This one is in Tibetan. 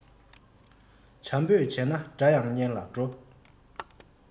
བྱམས པོས བྱས ན དགྲ ཡང གཉེན ལ འགྲོ